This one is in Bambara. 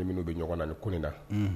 Ne minnu bɛ ɲɔgɔn ni ko na